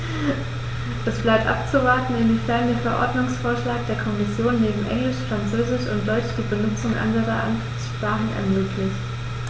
Es bleibt abzuwarten, inwiefern der Verordnungsvorschlag der Kommission neben Englisch, Französisch und Deutsch die Benutzung anderer Amtssprachen ermöglicht.